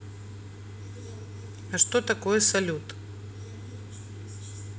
а что такое салют